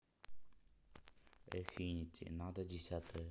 affinity надо десятое